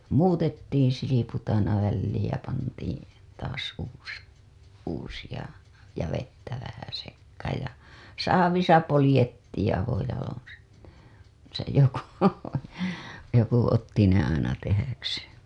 muutettiin silput aina väliin ja pantiin taas - uusia ja vettä vähän sekaan ja saavissa poljettiin avojaloin se se joku joku otti ne aina tehdäkseen